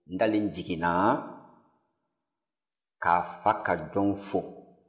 ntalen jiginna k'a fa ka jɔnw fo